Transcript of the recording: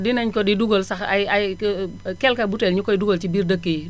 dinañ ko di dugal sax ay ay quelque butéel ñu koy dugal ci biir dëkk yi